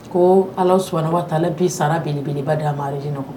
Ko ala sɔnnaumanaba taa bi sarara belebari nɔ